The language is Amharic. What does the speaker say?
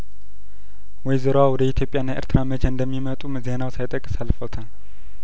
ወይዘሮዋ ወደ ኢትዮጵያና ኤርትራ መቼ እንደሚመጡም ዜናው ሳይጠቅስ አልፎታል